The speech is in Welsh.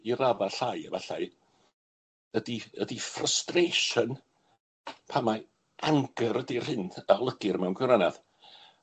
i radda llai efallai, ydi ydi frustration pan mae anger ydi'r hyn a olygir mewn gwirionadd.